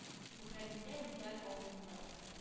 Күкрәгендә медаль алтынлы,